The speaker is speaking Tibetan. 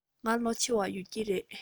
ང ལོ ཆེ བ ཡོད ཀྱི རེད